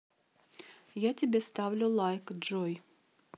я тебе ставлю лайк джой